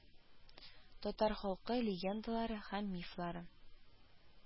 Татар халкы легендалары һәм мифлары